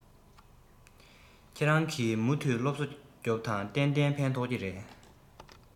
ཁྱེད རང གིས མུ མཐུད སློབ གསོ རྒྱོབས དང གཏན གཏན ཕན ཐོགས ཀྱི རེད